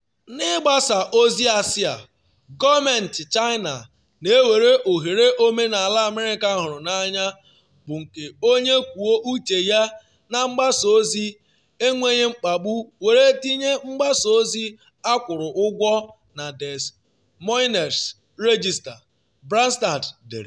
“N’ịgbasa ozi asị a, gọọmentị China na ewere oghere omenala America hụrụ n’anya bụ nke onye kwuo uche ya na mgbasa ozi enweghị mkpagbu were tinye mgbasa ozi akwụrụ ụgwọ na Des Moines Register.” Branstad dere.